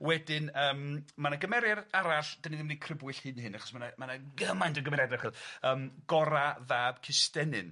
Wedyn yym ma' 'na gymeriad arall 'dan ni ddim 'di crybwyll hyd yn hyn achos ma' 'na ma' 'na gymaint o gymeriada 'chos yym Gora fab Custennin.